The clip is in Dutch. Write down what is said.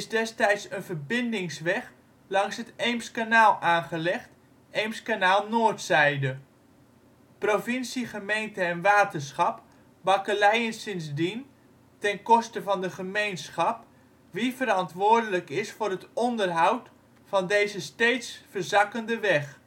destijds een verbindingsweg langs het Eemskanaal aangelegd (Eemskanaal Noordzijde). Provincie, gemeente en waterschap bakkeleien sindsdien, ten koste van de gemeenschap, wie verantwoordelijk is voor het onderhoud van deze steeds verzakkende weg